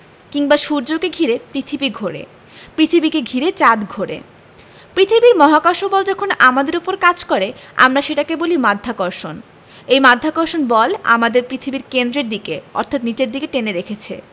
কিংবা সূর্যকে ঘিরে পৃথিবী ঘোরে পৃথিবীকে ঘিরে চাঁদ ঘোরে পৃথিবীর মহাকর্ষ বল যখন আমাদের ওপর কাজ করে আমরা সেটাকে বলি মাধ্যাকর্ষণ এই মাধ্যাকর্ষণ বল আমাদের পৃথিবীর কেন্দ্রের দিকে অর্থাৎ নিচের দিকে টেনে রেখেছে